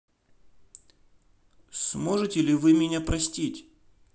сможете ли вы меня простить